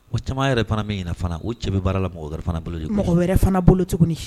Wa caman yɛrɛ fana min ɲini fana o cɛ baara la mɔgɔ wɛrɛ fana bolo mɔgɔ wɛrɛ fana bolo tuguni